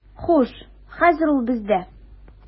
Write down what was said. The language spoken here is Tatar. Хуш, хәзер ул бездә.